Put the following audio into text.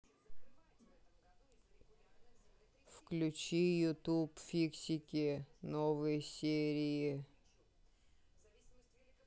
включи ютуб фиксики новые серии